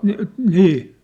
niin niin